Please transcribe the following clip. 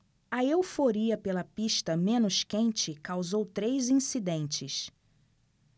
a euforia pela pista menos quente causou três incidentes